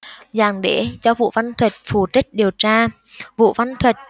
dạng đế cho vũ văn thuật phụ trách điều tra vũ văn thuật